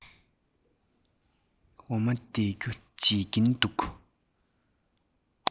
འོ མ ལྡུད རྒྱུ རྗེད ཀྱིན འདུག